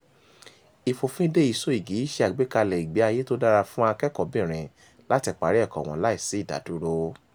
Ìfòfinde ìsoyìgì yìí ṣe àgbékalẹ̀ ìgbé ayé tó dára fún akẹ́kọ̀ọ́bìnrin láti parí ẹ̀kọ́ọ wọn láì sí ìdádúró.